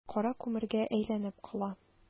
Җир кара күмергә әйләнеп кала.